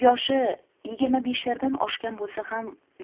yoshi yigirma beshlardan oshgan bo'lsa ham